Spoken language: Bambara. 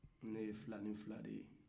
ne ye filani fila de ye